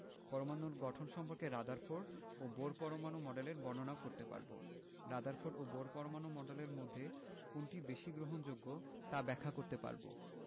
পরমাণুর গঠন সম্পর্কে রাদারফোর্ড ও বোর পরমাণু মডেলের বর্ণনা করতে পারব রাদারফোর্ড ও বোর পরমাণু মডেলের মধ্যে কোনটি বেশি গ্রহণযোগ্য তা ব্যাখ্যা করতে পারব